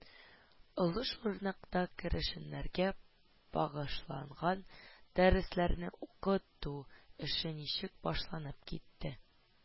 Олы Шүрнәктә керәшеннәргә багышланган дәресләрне укыту эше ничек башланып китте